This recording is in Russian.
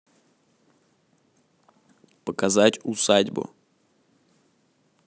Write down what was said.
показать усадьбу